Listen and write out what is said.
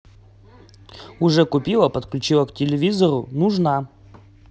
уже купила подключила к телевизору нужна